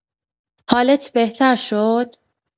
حالت بهتر شد؟